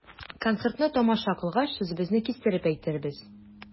Концертны тамаша кылгач, сүзебезне кистереп әйтербез.